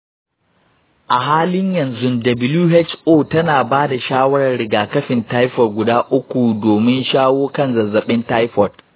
a halin yanzu, who tana ba da shawarar rigakafin taifoid guda uku domin shawo kan zazzabin taifoid.